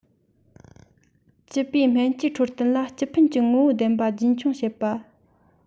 སྤྱི པའི སྨན བཅོས འཕྲོད བསྟེན ལ སྤྱི ཕན གྱི ངོ བོ ལྡན པ རྒྱུན འཁྱོངས བྱེད པ